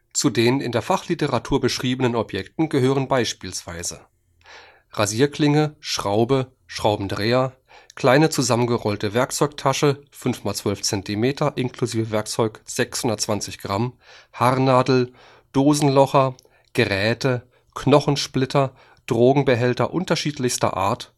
Zu den in der Fachliteratur beschriebenen Objekten gehören beispielsweise: Rasierklinge, Schraube, Schraubendreher, kleine zusammengerollte Werkzeugtasche (15×12 cm, inklusive Werkzeug 620 g), Haarnadel, Dosenlocher Gräte, Knochensplitter, Drogenbehälter unterschiedlichster Art